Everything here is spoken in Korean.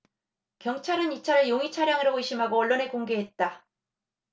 경찰은 이 차를 용의 차량으로 의심하고 언론에 공개했다